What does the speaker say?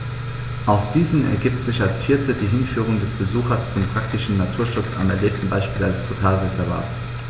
Aus diesen ergibt sich als viertes die Hinführung des Besuchers zum praktischen Naturschutz am erlebten Beispiel eines Totalreservats.